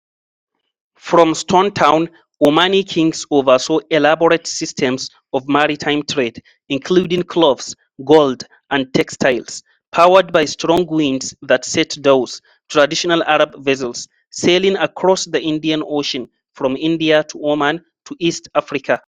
From Stone Town, Omani kings oversaw elaborate systems of maritime trade, including cloves, gold, and textiles, powered by strong winds that set dhows — traditional Arab vessels — sailing across the Indian Ocean, from India to Oman to East Africa.